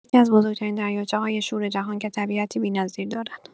یکی‌از بزرگ‌ترین دریاچه‌های شور جهان که طبیعتی بی‌نظیر دارد.